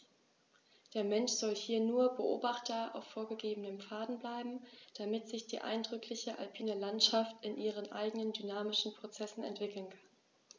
Der Mensch soll hier nur Beobachter auf vorgegebenen Pfaden bleiben, damit sich die eindrückliche alpine Landschaft in ihren eigenen dynamischen Prozessen entwickeln kann.